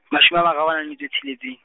mashome a mararo a na le metso e tsheletseng.